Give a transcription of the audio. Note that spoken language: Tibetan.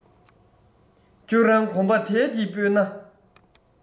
ཁྱོད རང གོམ པ དལ གྱིས སྤོས ན